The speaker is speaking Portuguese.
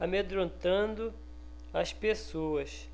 amedrontando as pessoas